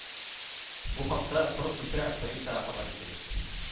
Бу хакта, курыкмыйча, полициягә хәбәр итегез: